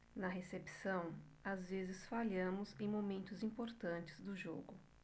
na recepção às vezes falhamos em momentos importantes do jogo